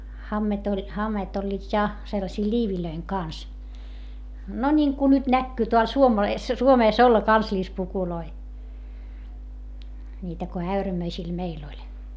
hameet oli hameet olivat ja sellaisia liivien kanssa no niin kuin nyt näkyy täällä Suomessa Suomessa olla kansallispukuja niitä kun äyrämöisillä meillä oli